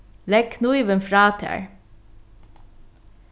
legg knívin frá tær